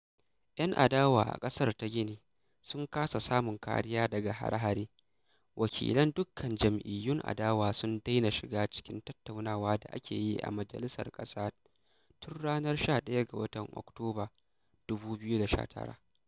Yan adawa a ƙasar ta Gini sun kasa samun kariya daga hare-hare: wakilan dukkan jam'iyyun adawa sun daina shiga cikin tattaunawa da ake yi a majalisar ƙasa tun ranar 11 ga Oktoba 2019.